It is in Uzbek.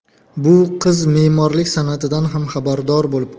bu qiz memorlik sanatidan ham xabardor